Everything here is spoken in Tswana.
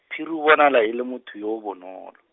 Phiri o bonala e le motho yo o bonolo.